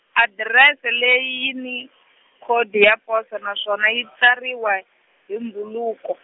adirese leyi yi ni, khodi ya poso naswona yi tsariwa, hi mbhuluko.